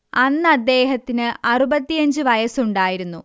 അന്ന് അദ്ദേഹത്തിന് അറുപത്തിയഞ്ച് വയസ്സുണ്ടായിരുന്നു